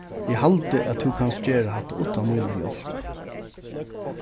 eg haldi at tú kanst gera hatta uttan mína hjálp